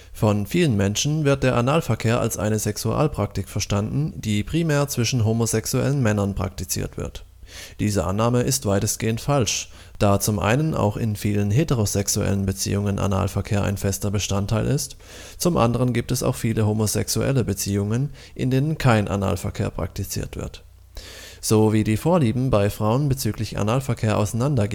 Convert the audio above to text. Von vielen Menschen wird Analverkehr als eine Sexualpraktik verstanden, die primär zwischen homosexuellen Männern praktiziert wird. Diese Annahme ist weitestgehend falsch, da zum einen auch in vielen heterosexuellen Beziehungen Analverkehr ein fester Bestandteil ist, zum anderen gibt es auch viele homosexuelle Beziehungen, in denen kein Analverkehr praktiziert wird. So wie die Vorlieben bei Frauen bezüglich Analverkehr auseinander gehen